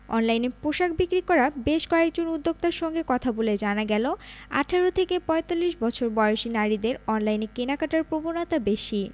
অনলাইনে পোশাক বিক্রি করা বেশ কয়েকজন উদ্যোক্তার সঙ্গে কথা বলে জানা গেল ১৮ থেকে ৪৫ বছর বয়সী নারীদের অনলাইনে কেনাকাটার প্রবণতা বেশি